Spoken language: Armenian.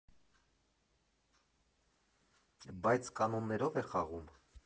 Բայց կանոններո՞վ է խաղում։